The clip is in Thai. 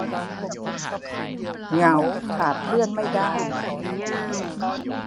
เหงาขาดเพื่อนไม่ได้